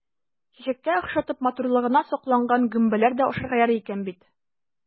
Чәчәккә охшатып, матурлыгына сокланган гөмбәләр дә ашарга ярый икән бит!